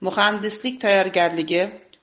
muhandislik tayyorgarligi